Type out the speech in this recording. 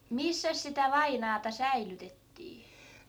missäs sitä vainajaa säilytettiin